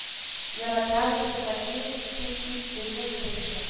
Яратабыз хөрмәтлебез сез бит безнең крыша